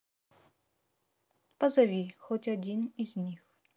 позови хоть один из них